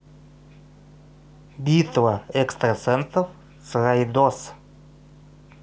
битва экстрасенсов с райдос